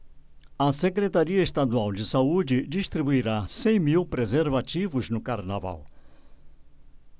a secretaria estadual de saúde distribuirá cem mil preservativos no carnaval